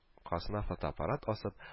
Аркасына фотоаппарат асып